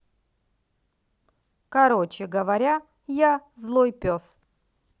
короче говоря я злой пес